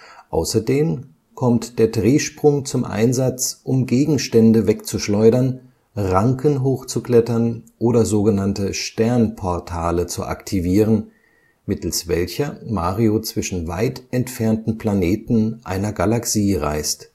Außerdem kommt der Drehsprung zum Einsatz, um Gegenstände wegzuschleudern, Ranken hochzuklettern oder sogenannte Sternportale zu aktivieren, mittels welcher Mario zwischen weit entfernten Planeten einer Galaxie reist